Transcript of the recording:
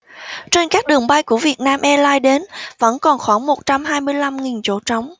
trên các đường bay của vietnam airlines đến vẫn còn khoảng một trăm hai mươi lăm nghìn chỗ trống